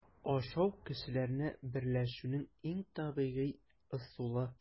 Ашау - кешеләрне берләшүнең иң табигый ысулы.